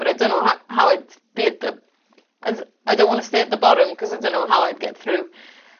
Bur i don't know ho- how I'd be at the... As I don' wanna stay at the borom 'coz I don' know how I'd get through.